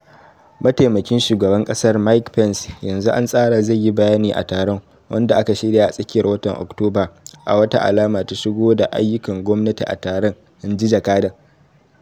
Mataimakin shugaban kasar Mike Pence yanzu an tsara zai yi bayani a taron, wanda aka shirya a tsakiyar watan Oktoba, a wata alama ta shigo da ayyukan gwamnati a taron, in ji jakadan.